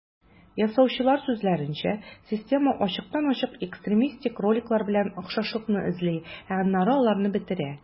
Ясаучылар сүзләренчә, система ачыктан-ачык экстремистик роликлар белән охшашлыкны эзли, ә аннары аларны бетерә.